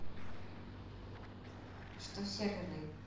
что в северной